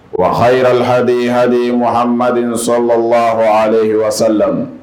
Wa kahiral hadi hadi mohamadin sɔlalahu alehi wasalam